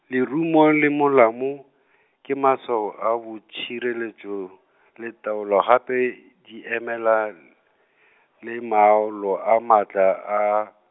lerumo le molamo , ke maswao a boitšhireletšo, le taolo gape, di emela l- , le ma olo a maatla a.